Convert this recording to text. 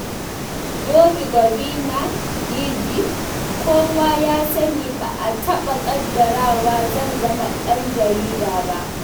Domy Govina (DG): Kowa ya sani, ba a taɓa ƙaddarawa zan zama ɗan jarida ba.